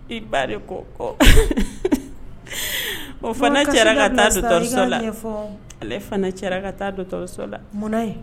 I ba de kɔ kɔ o fana cɛla ka taa la fɔ ale cɛla ka taa dɔgɔtɔrɔso la munna ye